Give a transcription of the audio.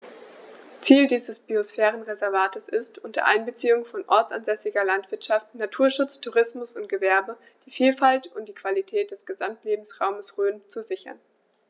Ziel dieses Biosphärenreservates ist, unter Einbeziehung von ortsansässiger Landwirtschaft, Naturschutz, Tourismus und Gewerbe die Vielfalt und die Qualität des Gesamtlebensraumes Rhön zu sichern.